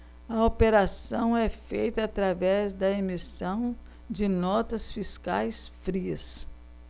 a operação é feita através da emissão de notas fiscais frias